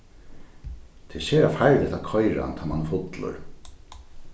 tað er sera farligt at koyra tá ið mann er fullur